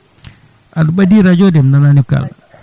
aɗa ɓaadi radio o de mi nanani ko kalɗa